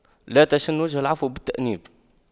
لا تشن وجه العفو بالتأنيب